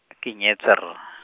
ke nyetse rra .